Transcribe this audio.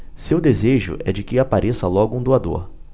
seu desejo é de que apareça logo um doador